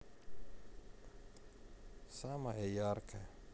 самое яркое